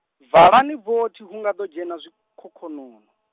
valani vothi hu ngado dzhena zwikhokhonono.